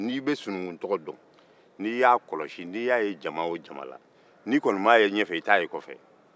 n'i bɛ sununkun tɔgɔ dɔn n'i y'a kɔlɔsi n'i y'a ye jama o jama la n'i kɔni m'a ye ɲɛfɛ i t'a ye kɔfɛ